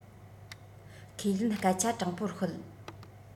ཁས ལེན སྐད ཆ དྲང པོར ཤོད